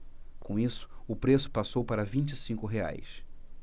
com isso o preço passou para vinte e cinco reais